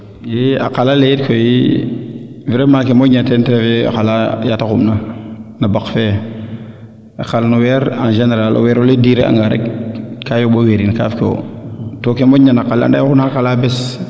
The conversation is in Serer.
i a qala le yit vraiment ke moƴna teen te refu yee xala yaate xuɓ na na baq fee xal no weer en generale o wero le durer anga rek kaa yomboweerin kaaf ke wo te ke moƴna na qala le ande xeena xala bess